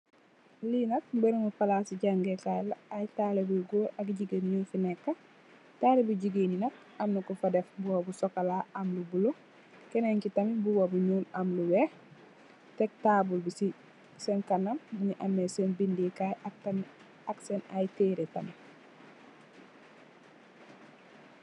Lii nak bërëbu palaasi jangee kaay la, ay taalube yu goor ak jigéen ñoo fi neeka, taalube yu jigéen yi nak, am na ku def mbuba bu sokolaa, am lu bulo, kénén ki tam, mbuba bu ñuul am lu weex ,tek taabul bu séén kanam, mu ngi amee seen bindë kaay, ak seen ay tëëre tamit.